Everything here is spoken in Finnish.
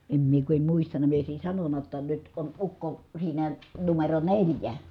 en minä kun en muistanut minä olisin sanonut jotta nyt on ukko siinä numero neljä